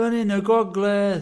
Lan yn y gogledd.